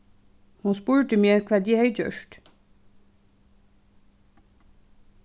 hon spurdi meg hvat eg hevði gjørt